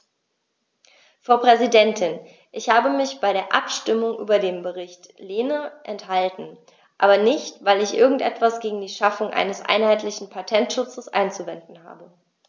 Frau Präsidentin, ich habe mich bei der Abstimmung über den Bericht Lehne enthalten, aber nicht, weil ich irgend etwas gegen die Schaffung eines einheitlichen Patentschutzes einzuwenden habe.